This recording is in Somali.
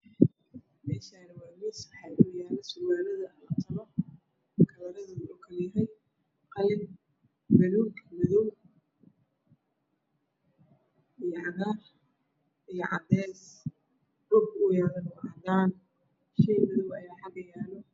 Meeshani waa meel yaalo surwaalada kalaradodou kala yihiin qalin madaw iyo cadaan iyo cadaysi dhulku uu yaalana waa waa cadaan